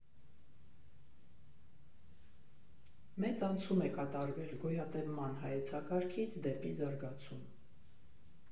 Մեծ անցում է կատարվել գոյատևման հայեցակարգից դեպի զարգացում։